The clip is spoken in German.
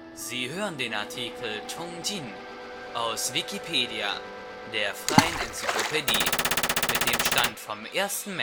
Sie hören den Artikel Ch’ ŏngjin, aus Wikipedia, der freien Enzyklopädie. Mit dem Stand vom Der